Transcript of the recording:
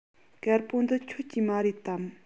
དཀར པོ འདི ཁྱོད ཀྱི མ རེད དམ